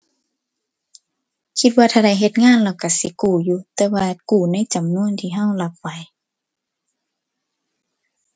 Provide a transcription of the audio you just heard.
คิดว่าถ้าได้เฮ็ดงานแล้วก็สิกู้อยู่ แต่ว่ากู้ในจำนวนที่ก็รับไหว